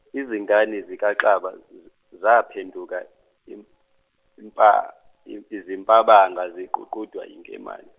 izingane zikaXaba, z- zaphenduka, im- impa- i- izimpabanga ziququdwa yinkemane.